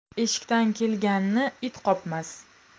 eshikdan kelganni it qopmas